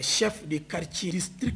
- Chef de quartier